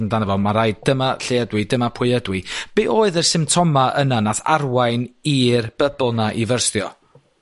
amdano fo. Ma' raid. Dyma lle ydw i, dyma pwy ydw i. Be' oedd y symptoma yna nath arwain i'r bybl 'na i fyrstio?